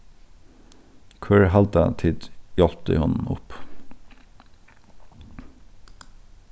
hvør halda tit hjálpti honum upp